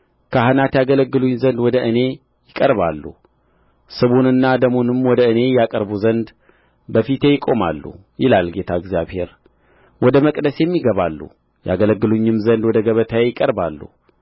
ካህናት ያገለግሉኝ ዘንድ ወደ እኔ ይቀርባሉ ስቡንና ደሙንም ወደ እኔ ያቀርቡ ዘንድ በፊቴ ይቆማሉ ይላል ጌታ እግዚአብሔር ወደ መቅደሴም ይገባሉ ያገለግሉኝም ዘንድ ወደ ገበታዬ ይቀርባሉ